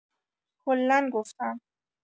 کلا گفتم